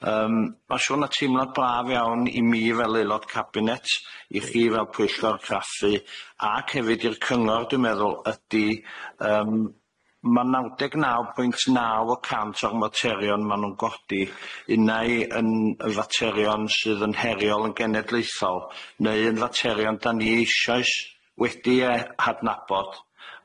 Yym ma' siŵr ma' teimlad braf iawn i mi fel aelod cabinet, i chi fel pwyllgor craffu ac hefyd i'r cyngor dwi'n meddwl ydi, yym ma' naw deg naw pwynt naw y cant o'r materion ma' nw'n godi unai yn y faterion sydd yn heriol yn genedlaethol neu yn faterion da ni eisoes wedi e hadnabod.